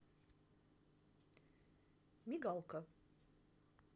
мигалка